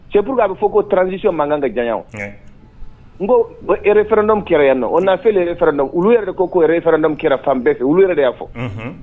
Cɛuru a bɛ fɔ ko tranzsi mankan kan ka jan n ko bɔn kɛra yan nɔ o nafe olu yɛrɛ ko yɛrɛ kɛra fan bɛɛ fɛ yɛrɛ de y' fɔ